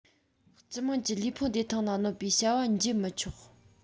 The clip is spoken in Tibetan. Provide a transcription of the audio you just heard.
སྤྱི དམངས ཀྱི ལུས ཕུང བདེ ཐང ལ གནོད པའི བྱ བ བགྱི མི ཆོག